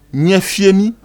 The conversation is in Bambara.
Ɲɛ fii